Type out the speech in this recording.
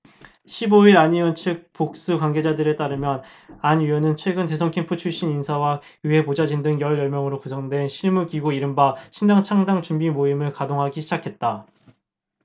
십 오 일 안 의원 측 복수의 관계자들에 따르면 안 의원은 최근 대선캠프 출신 인사와 의회 보좌진 등 열 여명으로 구성된 실무기구 이른바 신당창당준비모임을 가동 하기 시작했다